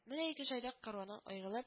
Менә ике җайдак, кәрваннан аерылып